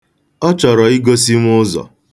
Ọ chọrọ igosi m ụzọ.